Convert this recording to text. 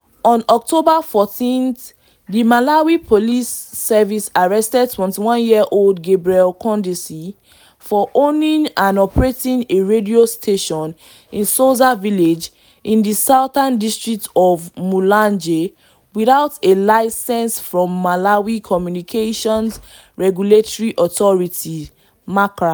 On October 14th the Malawi Police Service arrested 21 year-old Gabriel Kondesi for owning and operating a radio station in Soza Village in the southern district of Mulanje, without a licence from the Malawi Communications Regulatory Authority (MACRA).